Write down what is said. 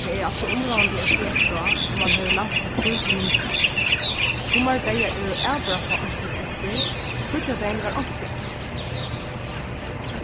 tað er altso umráðandi at siga frá um mann hevur lænt pappír til myndirnar summar dagar eru avbera fá eintøk eftir og fríggjadagin var einki eftir